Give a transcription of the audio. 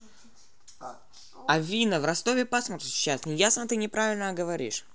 афина в ростове пасмурно сейчас неясно ты неправильно говоришь